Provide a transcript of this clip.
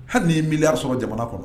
Hali n'i ye miliari sɔrɔ jamana